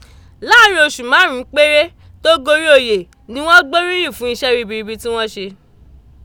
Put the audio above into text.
Láàrin oṣù márùn ún péré tó gorí oyè ni wọ́n gboríyìn fún iṣẹ́ ribribi tí wọ́n ṣe.